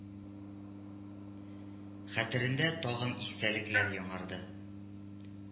Хәтерендә тагын истәлекләр яңарды